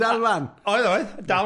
dal lan? Oedd oedd.